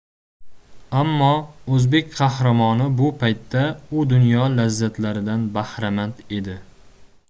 ammo o'zbek qahramoni bu paytda u dunyo lazzatlaridan bahramand edi